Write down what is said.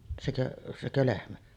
sekö sekö lehmä